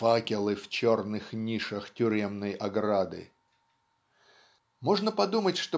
факелы в черных нишах тюремной ограды" можно подумать